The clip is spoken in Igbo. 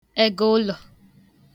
egụụlọ̀